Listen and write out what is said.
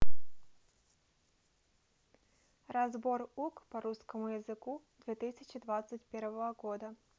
разбор ук по русскому языку две тысячи двадцать первого года